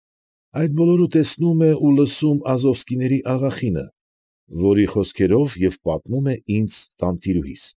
Այս բոլորը տեսնում է ու լսում Ազովսկիների աղախինը, որի խոսքերով և պատմում է ինձ տանտիրուհիս։